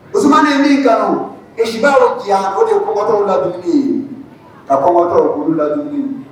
Usumani ye min kanu o de ye kɔnkɔtɔw ladumuni ye ka kɔnkɔtɔw ko olu ladumuni.